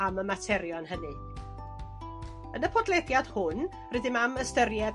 am y materion hynny. Yn y podlediad hwn rydym am ystyried